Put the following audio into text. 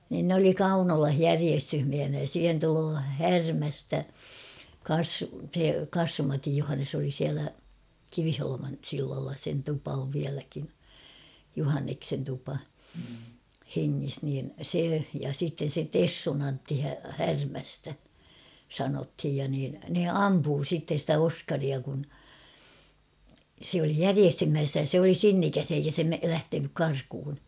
niin ne oli Kaunolassa järjestysmiehinä ja siihen tulee Härmästä - se Kassun Matin Johannes oli siellä Kiviholman sillalla sen tupa on vieläkin Johanneksen tupa hengissä niin se ja sitten se Tessun Antti Härmästä sanottiin ja niin ne ampui sitten sitä Oskaria kun se oli järjestysmies ja se oli sinnikäs eikä se - lähtenyt karkuun